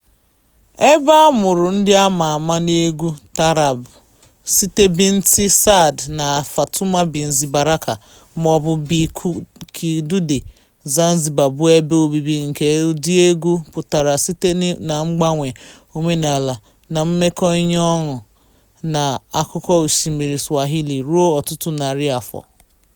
Ebe amụrụ ndị ama ama na-agụ egwu taarab Siti Binti Saad na Fatuma Binti Baraka, ma ọ bụ Bi. Kidude, Zanzibar bụ ebe obibi nke ụdị egwu pụtara site na mgbanwe omenaala na imekọ ihe ọnụ n'akụkụ osimmiri Swahili ruo ọtụtụ narị afọ.